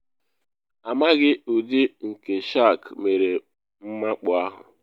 Amaghị ụdị nke shark mere mmakpu ahụ.